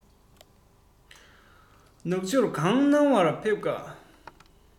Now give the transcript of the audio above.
ནག ཆུར ག རེ གནང བར ཕེབས ཀ